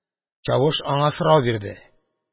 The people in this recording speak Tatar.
Чавыш аңа сорау бирде: